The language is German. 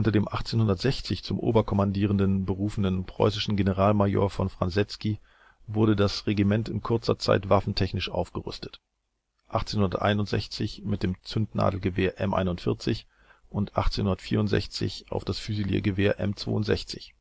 dem 1860 zum Oberkommandierenden berufenen preußischen Generalmajor von Fransecky wurde das Regiment in kurzer Zeit waffentechnisch aufgerüstet, 1861 mit dem Zündnadelgewehr M/41 und 1864 auf das Füsiliergewehr M/62